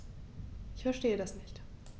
Ich verstehe das nicht.